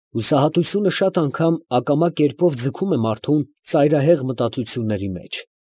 Հուսահատությունը շատ անգամ ակամա կերպով ձգում է մարդուն ծայրահեղ մտածությունների մեջ։